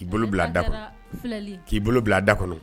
K'i bolo bila da kɔnɔ k'i bolo bila da kɔnɔ